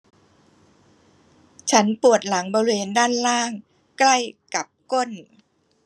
ฉันปวดหลังบริเวณด้านล่างใกล้กับก้น